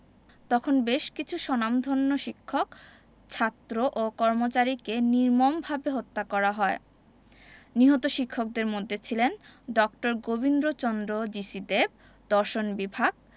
তখন বেশ কিছু স্বনামধন্য শিক্ষক ছাত্র ও কর্মচারীকে নির্মমভাবে হত্যা করা হয় নিহত শিক্ষকদের মধ্যে ছিলেন ড. গোবিন্দচন্দ্র জি.সি দেব দর্শন বিভাগ